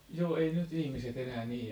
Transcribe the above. joo ei nyt ihmiset enää niin